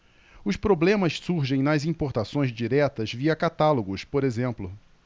os problemas surgem nas importações diretas via catálogos por exemplo